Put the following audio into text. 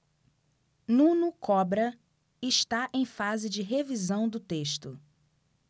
nuno cobra está em fase de revisão do texto